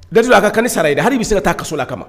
Gadi a ka kan sara ye hali bi bɛ se taa kaso a kama